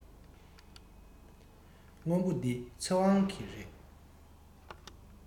སྔོན པོ འདི ཚེ དབང གི རེད